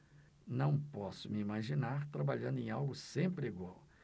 não posso me imaginar trabalhando em algo sempre igual